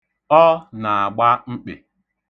Ọ na-agba mkpị.